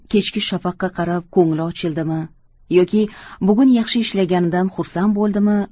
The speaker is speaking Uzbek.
kechki shafaqqa qarab ko'ngli ochildimi yoki bugun yaxshi ishlaganidan xursand bo'ldimi